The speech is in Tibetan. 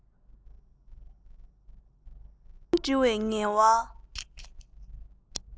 ཉུང ཉུང འབྲི བའི ངལ བ